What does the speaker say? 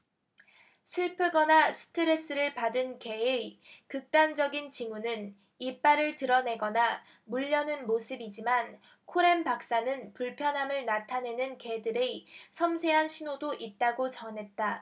슬프거나 스트레스를 받은 개의 극단적인 징후는 이빨을 드러내거나 물려는 모습이지만 코렌 박사는 불편함을 나타내는 개들의 섬세한 신호도 있다고 전했다